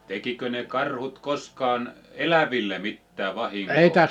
tekikö ne karhut koskaan eläville mitään vahinkoa